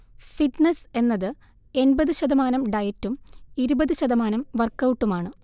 fitness എന്നത് എൺപത് ശതമാനം ഡയറ്റും ഇരുപത് ശതമാനം വർക്കൗട്ടുമാണ്